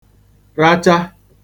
racha